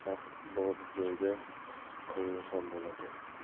baxt bor joyda qayg'u ham bo'ladi